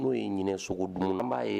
N'o ye ɲinin sogo dun n b'a ye